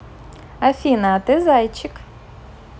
афина а ты зайчик